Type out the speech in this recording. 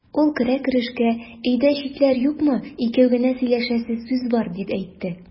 Ул керә-керешкә: "Өйдә читләр юкмы, икәү генә сөйләшәсе сүз бар", дип әйтте.